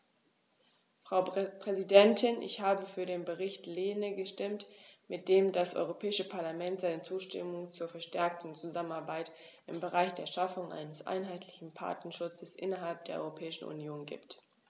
Frau Präsidentin, ich habe für den Bericht Lehne gestimmt, mit dem das Europäische Parlament seine Zustimmung zur verstärkten Zusammenarbeit im Bereich der Schaffung eines einheitlichen Patentschutzes innerhalb der Europäischen Union gibt.